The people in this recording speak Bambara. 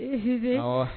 I b'i jugé awɔ.